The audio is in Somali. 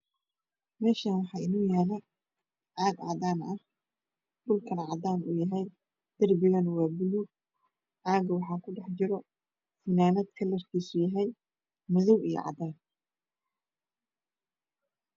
Mashan waa ino yalo cag cadan ah dhulka waa cadan darbiga waa boluug